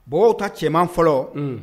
Bɔw ka cɛman fɔlɔ Unhun